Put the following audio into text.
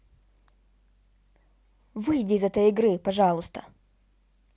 выйди из этой игры пожалуйста